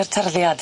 Yr tarddiad.